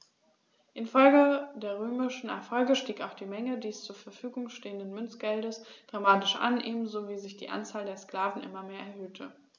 Infolge der römischen Erfolge stieg auch die Menge des zur Verfügung stehenden Münzgeldes dramatisch an, ebenso wie sich die Anzahl der Sklaven immer mehr erhöhte.